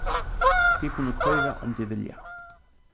tit kunnu koyra um tit vilja